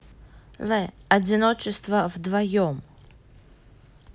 la одиночество вдвоем